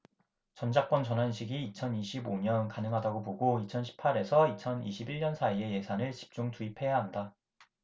전작권 전환 시기 이천 이십 오 년 가능하다고 보고 이천 십 팔 에서 이천 이십 일 년 사이에 예산을 집중 투입해야 한다